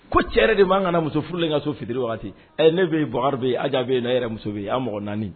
Ko cɛ yɛrɛ de b'an kana muso furulen ka so fitiri waati ne bɛ ye bukari ye a jaabiabe ye n' yɛrɛ muso ye a mɔgɔ naani